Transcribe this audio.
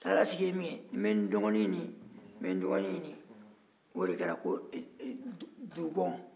a taara sigi yen min kɛ n bɛ n dɔgɔnin ɲini n bɛ n dɔgɔnin ɲini o de kɛra ko dogɔn